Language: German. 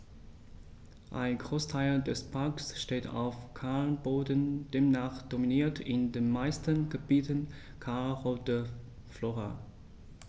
Ein Großteil des Parks steht auf Kalkboden, demnach dominiert in den meisten Gebieten kalkholde Flora.